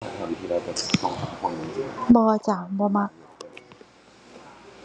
บ่จ้ะ บ่มัก